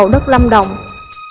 cầu đất lâm đồng